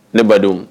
Ne badenw